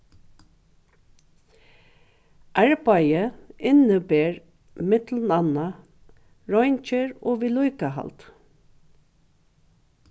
arbeiðið inniber millum annað reingerð og viðlíkahald